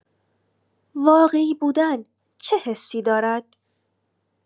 واقعی‌بودن چه حسی دارد؟